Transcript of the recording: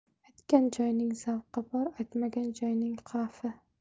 aytgan joyning zavqi bor aytmagan joyning xavfi